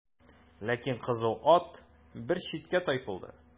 Ләкин кызу ат бер читкә тайпылды.